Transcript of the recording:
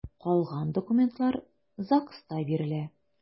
Калган документлар ЗАГСта бирелә.